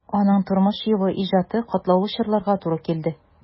Аның тормыш юлы, иҗаты катлаулы чорларга туры килде.